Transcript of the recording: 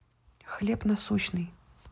хлеб насущный